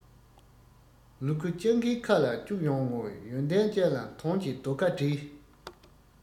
ལུ གུ སྤྱང ཀིའི ཁ ལ བཅུག ཡོང ངོ ཡོན ཏན ཅན ལ དོན གྱི རྡོ ཁ སྒྲིལ